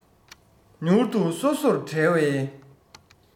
མྱུར དུ སོ སོར བྲལ བའི